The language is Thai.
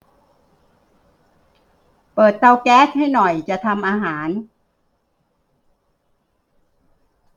เปิดเตาแก๊สให้หน่อยจะทำอาหาร